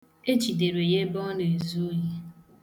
Ejidere ya ebe ọ na-ezu ohi.